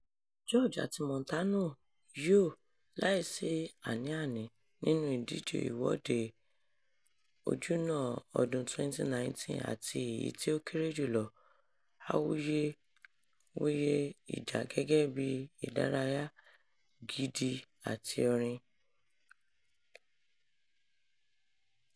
George àti Montano yô, láì sí àní-àní, nínú ìdíje Ìwọ́de Ojúná ọdún 2019 àti èyí tí ó kéré jù lọ, awuyewuye ìjà gẹ́gẹ́ bí ìdárayá gidi àti orin.